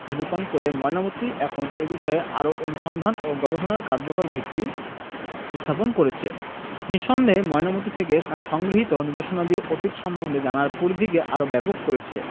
নিরূপণ করে ময়নামতী এখন এ বিষয়ে আরও অনুসন্ধান ও গবেষণার কার্যকর ভিত্তি স্থাপন করেছে নিঃসন্দেহে ময়নামতী থেকে সংগৃহীত নিদর্শনাদি অতীত সম্বন্ধে জানার পরিধিকে আরও ব্যাপক করেছে